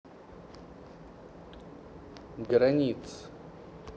границ